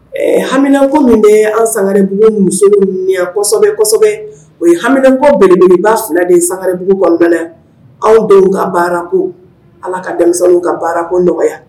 Ɛ hako minnu bɛ an sangarebugu musoyan o ye hako belebeleba fila de sangabugu kɔ anw denw ka baarako ala ka denmisɛnw ka baarako nɔgɔya